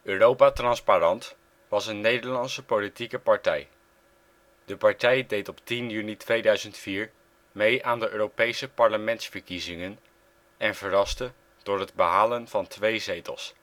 Europa Transparant was een Nederlandse politieke partij. De partij deed op 10 juni 2004 mee met de Europese Parlementsverkiezingen en verraste door het behalen van twee zetels